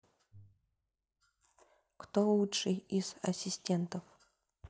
кто лучший из ассистентов